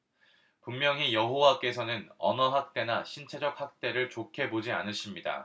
분명히 여호와께서는 언어 학대나 신체적 학대를 좋게 보지 않으십니다